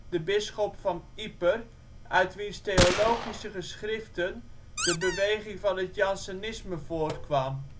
de bisschop van Ieper, uit wiens theologische geschriften de beweging van het jansenisme voortkwam